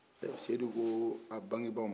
sɛyidu a bagebaw ma